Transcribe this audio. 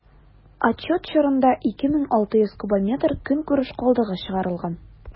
Отчет чорында 2600 кубометр көнкүреш калдыгы чыгарылган.